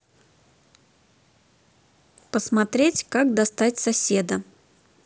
посмотреть как достать соседа